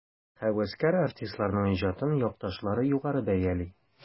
Һәвәскәр артистларның иҗатын якташлары югары бәяли.